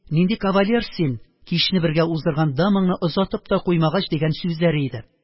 Нинди кавалер син, кичне бергә уздырган дамаңны озатып та куймагач» дигән сүзләре иде